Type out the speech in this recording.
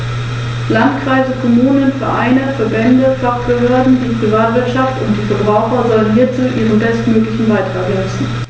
Ein Großteil des Parks steht auf Kalkboden, demnach dominiert in den meisten Gebieten kalkholde Flora.